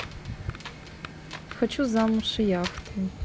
хочу замуж и яхту